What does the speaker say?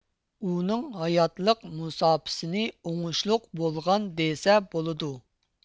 ئۇنىڭ ھاياتلىق مۇساپىسىنى ئوڭۇشلۇق بولغان دېسە بولىدۇ